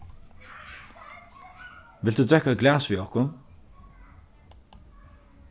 vilt tú drekka eitt glas við okkum